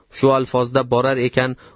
shu alfozda borar ekan